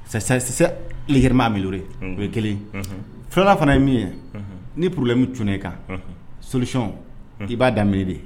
Sɛsi grema mi o ye kelen filananla fana ye min ye ni purlami tunune kan socɔn i b'a daminɛ de